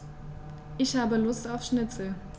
Ich habe Lust auf Schnitzel.